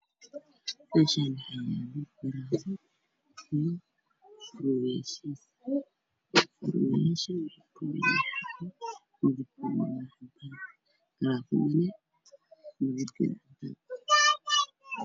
Meeshaan waxaa yaalo garaafo dhalo ah midabkiisu waa cadaan.